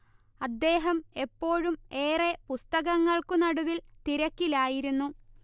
അദ്ദേഹം എപ്പോഴും ഏറെ പുസ്തകങ്ങൾക്കുനടുവിൽ തിരക്കിലായിരുന്നു